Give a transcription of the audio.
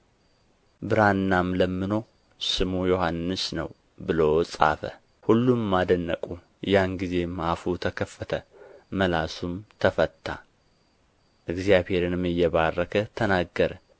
ብራናም ለምኖ ስሙ ዮሐንስ ነው ብሎ ጻፈ ሁሉም አደነቁ ያንጊዜም አፉ ተከፈተ መላሱም ተፈታ እግዚአብሔርንም እየባረከ ተናገረ